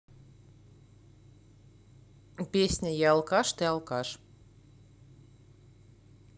песня я алкаш ты алкаш